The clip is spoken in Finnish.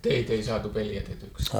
teitä ei saatu pelätetyksi